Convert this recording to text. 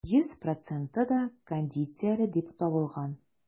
Йөз проценты да кондицияле дип табылган.